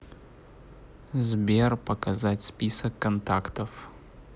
сбер показать список контактов